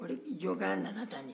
jɔkaya nana tan de